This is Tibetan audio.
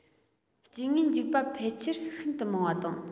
སྐྱེ དངོས འཇིག པ ཕལ ཆེར ཤིན ཏུ མང བ དང